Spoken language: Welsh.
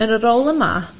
Yn y rôl yma